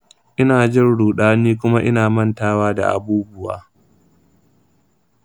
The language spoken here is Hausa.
ina jin rudani kuma ina mantawa da abubuwa.